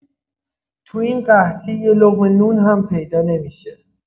تو این قحطی یه لقمه نون هم پیدا نمی‌شه.